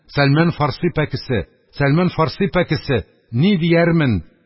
Сәлман Фарси пәкесе, Сәлман Фарси пәкесе! Ни диермен?!